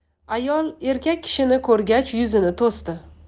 ayol erkak kishini ko'rgach yuzini to'sdi